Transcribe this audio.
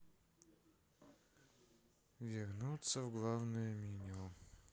вернуться в главное меню